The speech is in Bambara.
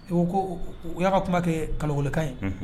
U ko u y'a ka kuma kɛ kalilikan ye